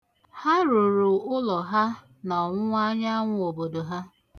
Ha rụrụ ụlọ ha na ọwụwaanyanwụ obodo ha.